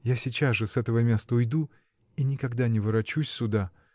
Я сейчас же с этого места уйду и никогда не ворочусь сюда!